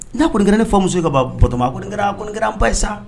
N'a ko ninkɛ ne famuso ka bɔtoma ko kɛra ko ne kɛra n ba sa